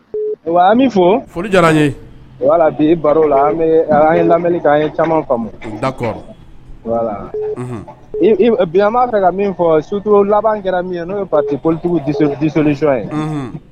O an b'i fo foli diyara n ye voilà bi baro la an bee a an ye lamɛli kɛ an ye caman faamu d'accord voilà unhun ib ib bi an ba fɛ ka min fɔ surtout laban kɛra min ye n'o ye parti politique u disso dissolution ye unhun